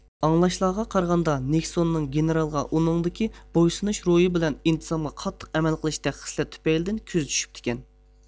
ئاڭلاشلارغا قارىغاندا نېكسوننىڭ گېنېرالغا ئۇنىڭدىكى بويسۇنۇش روھى بىلەن ئىنتىزامغا قاتتىق ئەمەل قىلىشتەك خىسلەت تۈپەيلىدىن كۆزى چۈشۈپتىكەن